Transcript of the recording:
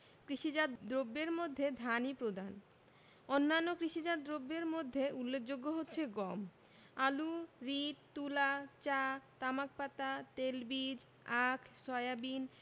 কৃষিজাত দ্রব্যের মধ্যে ধানই প্রধান অন্যান্য কৃষিজাত দ্রব্যের মধ্যে উল্লেখযোগ্য হচ্ছে গম আলু রীট তুলা চা তামাক পাতা তেলবীজ আখ সয়াবিন